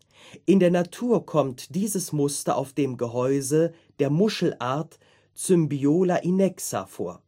In der Natur kommt dieses Muster auf dem Gehäuse der Muschelart Cymbiola innexa vor